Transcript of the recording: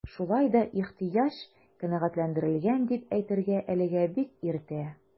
Шулай да ихтыяҗ канәгатьләндерелгән дип әйтергә әлегә бик иртә.